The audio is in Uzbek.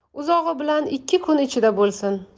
uzog'i bilan ikki kun ichida bo'lsin